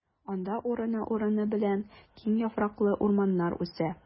Анда урыны-урыны белән киң яфраклы урманнар үсә.